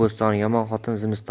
bo'stoni yomon xotin zimistoni